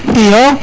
iyo